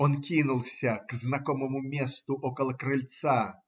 Он кинулся к знакомому месту около крыльца.